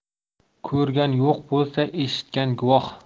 ko'rgan yo'q bo'lsa eshitgan guvoh